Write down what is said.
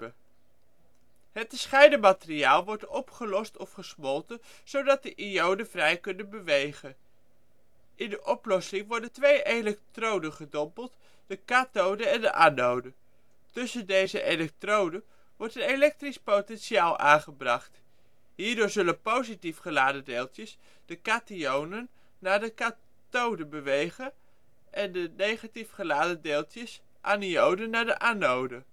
te scheiden materiaal wordt opgelost of gesmolten, zodat de ionen vrij kunnen bewegen. In de oplossing worden twee elektroden gedompeld: de kathode en de anode. Tussen deze elektroden wordt een elektrische potentiaal aangebracht. Hierdoor zullen positief geladen deeltjes (kationen) naar de kathode bewegen en negatief geladen deeltjes (anionen) naar de anode